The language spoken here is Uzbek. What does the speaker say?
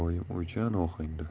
oyim o'ychan ohangda